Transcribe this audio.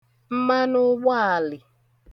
mmanụụgbaàlì